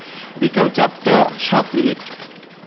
বিকাল ৪ টা ০৭ মিনিট